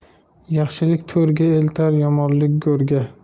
yaxshilik to'iga eltar yomonlik go'iga